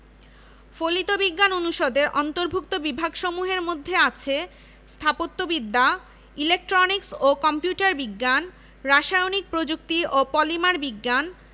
ফলিত বিজ্ঞান অনুষদের অন্তর্ভুক্ত বিভাগসমূহের মধ্যে আছে স্থাপত্যবিদ্যা ইলেকট্রনিক্স ও কম্পিউটার বিজ্ঞান রাসায়নিক প্রযুক্তি ও পলিমার বিজ্ঞান